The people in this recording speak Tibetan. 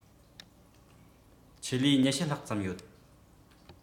ཆེད ལས ༢༠ ལྷག ཙམ ཡོད